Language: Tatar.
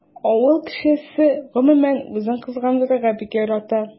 Авыл кешесе гомумән үзен кызгандырырга бик ярата.